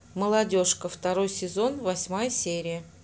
молодежка второй сезон восьмая серия